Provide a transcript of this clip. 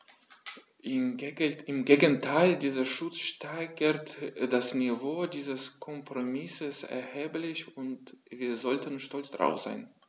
Im Gegenteil: Dieser Schutz steigert das Niveau dieses Kompromisses erheblich, und wir sollten stolz darauf sein.